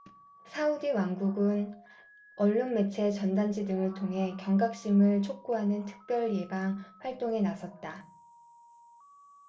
사우디 당국은 언론매체 전단지 등을 통해 경각심을 촉구하는 특별 예방 활동에 나섰다